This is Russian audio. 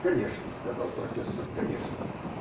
-- Конечно, -- сказал профессор. -- Конечно.